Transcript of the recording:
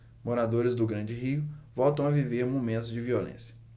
moradores do grande rio voltam a viver momentos de violência